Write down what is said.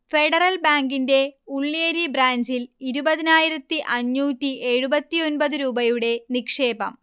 federal ബാങ്കിൻെറ ഉള്ള്യേരി ബ്രാഞ്ചിൽ ഇരുപതിനായിരത്തി അഞ്ഞൂറ്റി എഴുപത്തിയൊന്പത് രൂപയുടെ നിക്ഷേപം